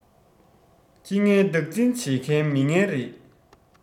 ཁྱི ངན བདག འཛིན བྱེད མཁན མི ངན རེད